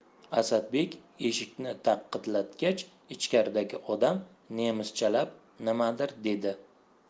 asadbek eshikni taqillatgach ichkaridagi odam nemischalab nimadir dedi